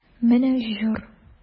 Менә җор!